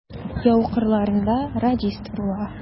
Яу кырларында радист була.